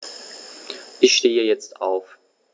Ich stehe jetzt auf.